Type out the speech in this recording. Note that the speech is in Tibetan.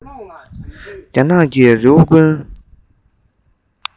རྒྱ ནག གི རི བོ ཀུན